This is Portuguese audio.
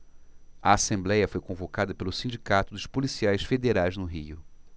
a assembléia foi convocada pelo sindicato dos policiais federais no rio